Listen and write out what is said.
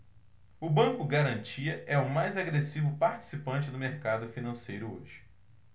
o banco garantia é o mais agressivo participante do mercado financeiro hoje